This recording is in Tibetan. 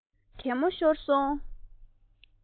བཀྲ བཟང གད མོ ཤོར སོང